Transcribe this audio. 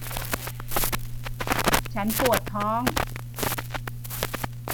ฉันปวดท้อง